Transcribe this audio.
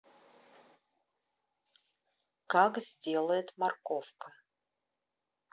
как сделает морковка